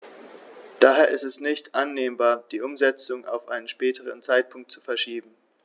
Daher ist es nicht annehmbar, die Umsetzung auf einen späteren Zeitpunkt zu verschieben.